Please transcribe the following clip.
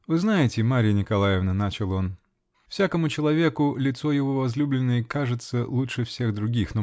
-- Вы знаете, Марья Николаевна, -- начал он, -- всякому человеку лицо его возлюбленной кажется лучше всех других